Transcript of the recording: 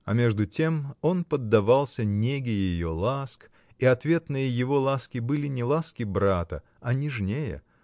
А между тем он поддавался неге ее ласк, и ответные его ласки были не ласки брата, а нежнее